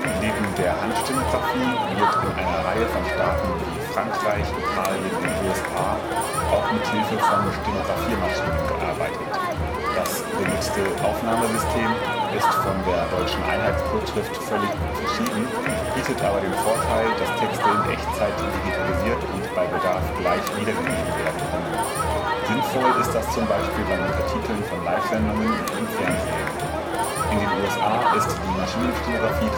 Neben der Handstenografie wird in einer Reihe von Staaten wie Frankreich, Italien und USA auch mithilfe von Stenografiermaschinen gearbeitet. Das genutzte Aufnahmesystem ist von der deutschen Einheitskurzschrift völlig verschieden, bietet aber den Vorteil, dass Texte in Echtzeit digitalisiert und bei Bedarf gleich wiedergegeben werden können. Sinnvoll ist das zum Beispiel beim Untertiteln von Live-Sendungen im Fernsehen. In den USA ist die Maschinenstenografie